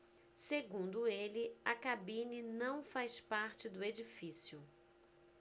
segundo ele a cabine não faz parte do edifício